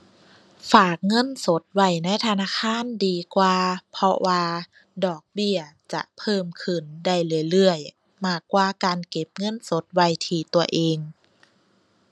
ฝากเงินสดไว้ในธนาคารดีกว่า เพราะว่าดอกเบี้ยจะเพิ่มขึ้นได้เรื่อยเรื่อยมากกว่าการเก็บเงินสดไว้ที่ตัวเอง